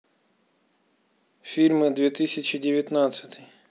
фильмы две тысячи девятнадцатый